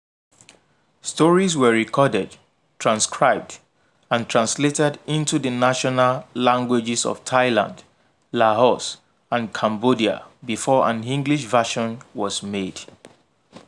Stories were recorded, transcribed, and translated into the national languages of Thailand, Laos, and Cambodia before an English version was made.